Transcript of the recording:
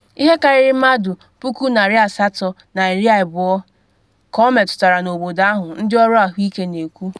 Ihe karịrị mmadụ 820,000 ka ọ metụtara n’obodo ahụ, ndị ọrụ ahụike na-ekwu.